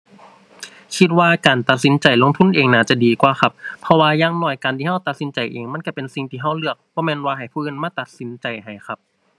คิดว่าการตัดสินใจลงทุนเองน่าจะดีกว่าครับ เพราะว่าอย่างน้อยการที่เราตัดสินใจเอง มันเราเป็นสิ่งที่เราเลือก บ่แม่นว่าให้ผู้อื่นมาตัดสินใจให้ครับ